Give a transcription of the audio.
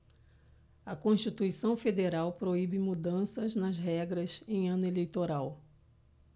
a constituição federal proíbe mudanças nas regras em ano eleitoral